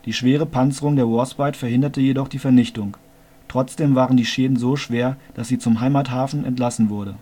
schwere Panzerung der Warspite verhinderte jedoch die Vernichtung. Trotzdem waren die Schäden so schwer, dass sie zum Heimathafen entlassen wurde